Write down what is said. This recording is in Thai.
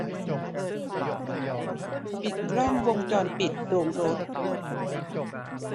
ปิดกล้องวงจรปิดโรงรถ